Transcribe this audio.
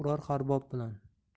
urar har bob bilan